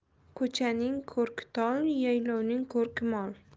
ko'chaning ko'rki tol yaylovning ko'rki mol